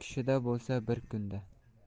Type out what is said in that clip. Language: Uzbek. kishida bo'lsa bir kunda